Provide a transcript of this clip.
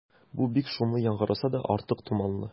Бу бик шомлы яңгыраса да, артык томанлы.